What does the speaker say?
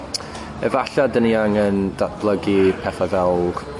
efalla 'dyn ni angen datblygu pethe fel ch-